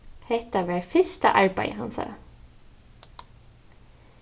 hetta var fyrsta arbeiði hansara